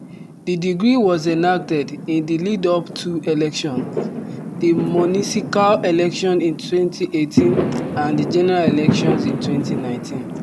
The decree was enacted in the lead-up two elections — the municipal elections in 2018 and the general elections in 2019.